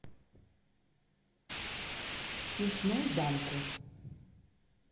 смешной банку